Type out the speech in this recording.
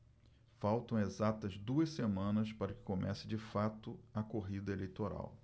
faltam exatas duas semanas para que comece de fato a corrida eleitoral